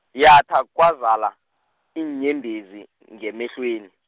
yatha kwazala, iinyembezi, ngemehlweni.